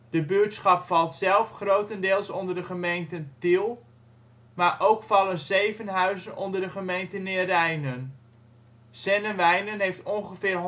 de buurtschap valt zelf grotendeels onder de gemeenten Tiel maar ook vallen zeven huizen onder de gemeente Neerijnen. Zennewijnen heeft ongeveer